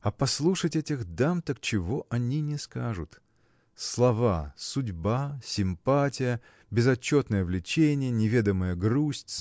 А послушать этих дам, так чего они не скажут! слова судьба симпатия безотчетное влечение неведомая грусть